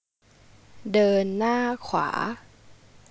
เดินหน้าขวา